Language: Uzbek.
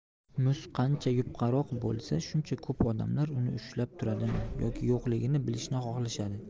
muz qancha yupqaroq bo'lsa shuncha ko'p odamlar uni ushlab turadimi yoki yo'qligini bilishni xohlashadi